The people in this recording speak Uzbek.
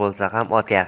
bo'lsa ham ot yaxshi